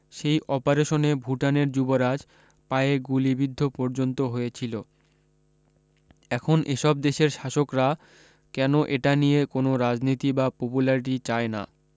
সেই অপারেশনে ভুটানের যুবরাজ পায়ে গুলি বিদ্ধ পর্যন্ত হয়েছিলো এখন এসব দেশের শাসকরা কেন এটা নিয়ে কোন রাজনীতি বা পপুলারিটি চায় না